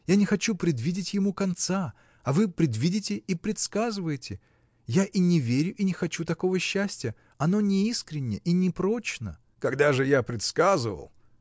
я не хочу предвидеть ему конца, а вы предвидите и предсказываете: я и не верю и не хочу такого счастья оно неискренно и непрочно. — Когда же я предсказывал?